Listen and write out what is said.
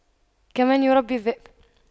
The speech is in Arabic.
كمن يربي الذئب